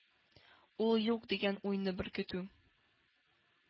«ул юк» дигән уйны беркетү.